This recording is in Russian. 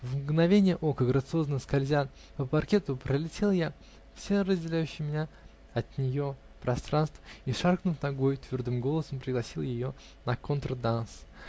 В мгновение ока, грациозно скользя по паркету, пролетел я все разделяющее меня от нее пространство и, шаркнув ногой, твердым голосом пригласил ее на контрданс.